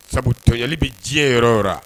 Sabu tɔyali bɛ diɲɛ yɔrɔ